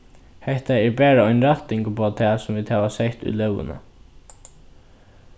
hetta er bara ein rætting uppá tað sum vit hava sett í lógina